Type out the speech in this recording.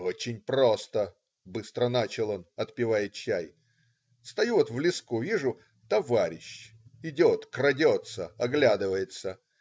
"Очень просто,- быстро начал он, отпивая чай,- стою вот в леску, вижу - "товарищ" идет, крадется, оглядывается.